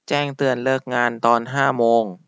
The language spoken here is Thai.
แจ้งเตือนเลิกงานตอนห้าโมง